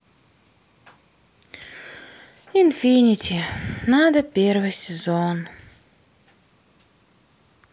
инфинити надо первый сезон